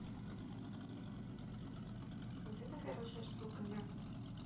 вот это хорошая штука на